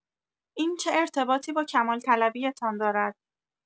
این چه ارتباطی با کمال‌طلبی‌تان دارد؟